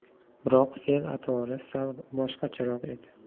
biroq fe'l atvori sal boshqacharoq edi